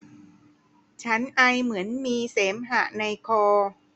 ฉันไอเหมือนมีเสมหะในคอ